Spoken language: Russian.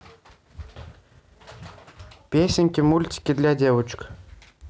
песенки мультики для девочек